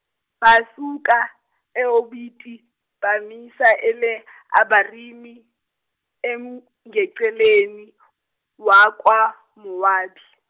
basuka e Oboti bamisa ele Abarimi emngceleni wakwaMowabi.